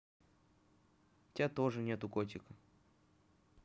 у тебя тоже нету котика